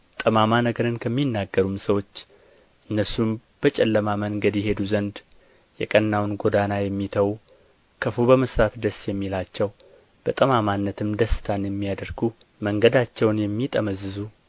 ጠማማ ነገርን ከሚናገሩም ሰዎች እነርሱም በጨለማ መንገድ ይሄዱ ዘንድ የቀናውን ጎዳና የሚተው ክፉ በመሥራት ደስ የሚላቸው በጠማማነትም ደስታን የሚያደርጉ መንገዳቸውን የሚጠመዝዙ